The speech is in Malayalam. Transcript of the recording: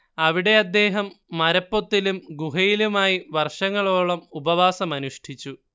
അവിടെ അദ്ദേഹം മരപ്പൊത്തിലും ഗുഹയിലുമായി വർഷങ്ങളോളം ഉപവാസം അനുഷ്ഠിച്ചു